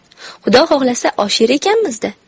xudo xohlasa osh yer ekanmiz da